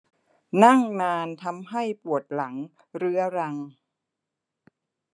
นั่งนานทำให้ปวดหลังเรื้อรัง